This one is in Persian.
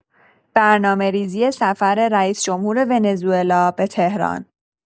برنامه‌ریزی سفر رئیس‌جمهور ونزوئلا به تهران